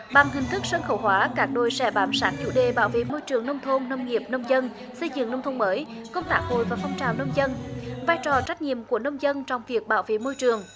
bằng hình thức sân khấu hóa các đội sẽ bám sát chủ đề bảo vệ môi trường nông thôn nông nghiệp nông dân xây dựng nông thôn mới công tác hội và phong trào nông dân vai trò trách nhiệm của nông dân trong việc bảo vệ môi trường